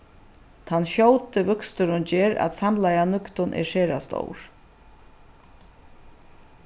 tann skjóti vøksturin ger at samlaða nøgdin er sera stór